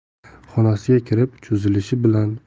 xonasiga kirib cho'zilishi